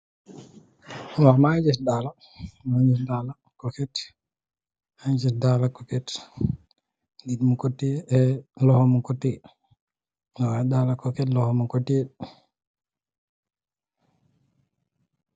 Maa ngi gis daala kooket, loxo muñ ko tiye.